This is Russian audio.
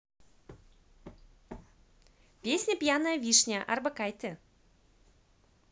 песня пьяная вишня орбакайте